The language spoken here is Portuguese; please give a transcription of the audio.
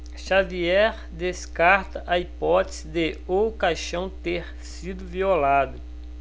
xavier descarta a hipótese de o caixão ter sido violado